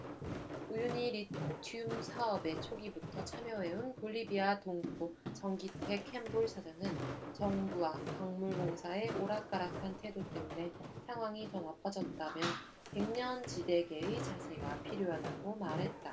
우유니 리튬 사업에 초기부터 참여해온 볼리비아 동포 정기태 켐볼 사장은 정부와 광물공사의 오락가락한 태도 때문에 상황이 더 나빠졌다며 백년지대계의 자세가 필요하다고 말했다